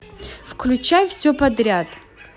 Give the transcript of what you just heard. включай все подряд